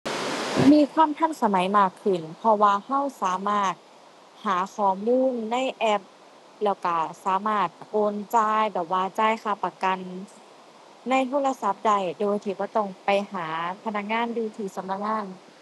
มีความทันสมัยมากขึ้น เพราะว่าเราสามารถหาข้อมูลในแอป แล้วเราสามารถโอนจ่าย แบบว่า จ่ายค่าประกันในโทรศัพท์ได้โดยที่บ่ต้องไปหาพนักงานอยู่ที่สำนักงาน